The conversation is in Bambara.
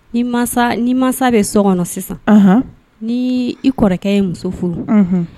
Ni masa bɛ so kɔnɔ sisan ni i kɔrɔkɛ ye muso furu